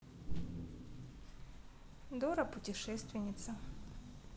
дора путешественница